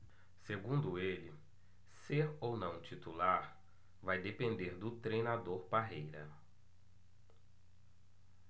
segundo ele ser ou não titular vai depender do treinador parreira